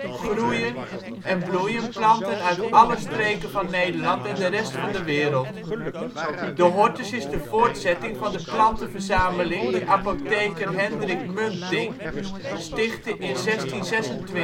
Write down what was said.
groeien en bloeien planten uit alle streken van Nederland en de rest van de wereld. De Hortus is de voortzetting van de plantenverzameling die apotheker Hendrick Munting (1583-1658) stichtte in